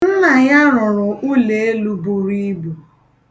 Nna ya rụrụ ̣ulọelu buru ibu.